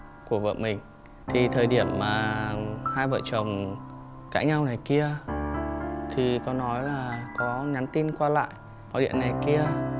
của vợ mình thì thời điểm mà hai vợ chồng cãi nhau này kia thì có nói là có nhắn tin qua lại gọi điện này kia